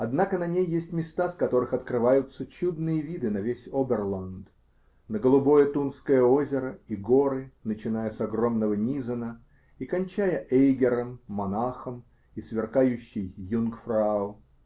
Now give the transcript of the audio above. Однако на ней есть места, с которых открываются чудные виды на весь Оберланд, на голубое Тунское озеро и горы, начиная с огромного Низена и кончая Эйгером, Монахом и сверкающей Юнгфрау.